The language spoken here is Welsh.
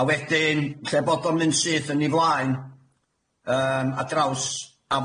A wedyn lle bod o'n mynd syth yn ei flaen yym ar draws